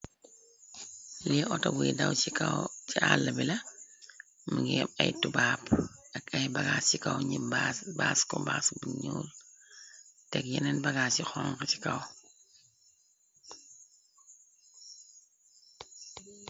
Lii auto buyi daw ci kaw ci àlla bi la mingeb ay tubaap. Ak ay bagaas ci kaw. Gnib baas ko baas bu nuul teg yeneen bagaas ci xonge ci kaw.